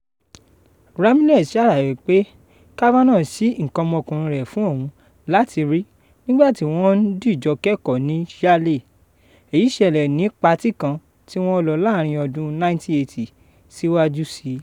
Ramirez ṣàlàyé pé Kavanaugh ṣí nǹkan ọmọkùnrin rẹ̀ fún òun láti rí nígbà tí wọ́n ń dìjọ kẹ́kọ̀ọ́ ní Yale. Èyí ṣẹlẹ̀ ni patí kan tí wọ́n lọ láàrin ọdún 1980 síwájú sí i.